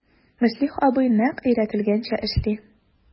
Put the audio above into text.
Мөслих абый нәкъ өйрәтелгәнчә эшли...